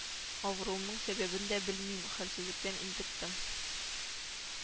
Авыруымның сәбәбен дә белмим, хәлсезлектән интектем